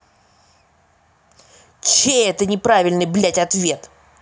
чей это неправильный блядь ответ